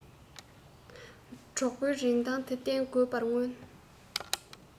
གྲོགས པོའི རིན ཐང འདི རྟེན དགོས པར མངོན